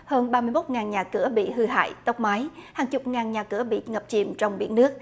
hơn ba mươi mốt ngàn nhà cửa bị hư hại tốc mái hàng chục ngàn nhà cửa bị ngập chìm trong biển nước